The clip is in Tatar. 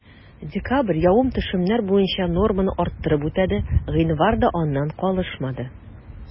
Декабрь явым-төшемнәр буенча норманы арттырып үтәде, гыйнвар да аннан калышмады.